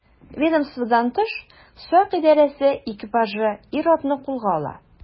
Ведомстводан тыш сак идарәсе экипажы ир-атны кулга ала.